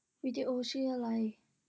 วิดีโอชื่ออะไร